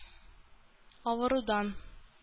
Авырудан